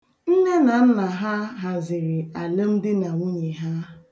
Nnenanna ha, haziri alụmdinanwunye ha.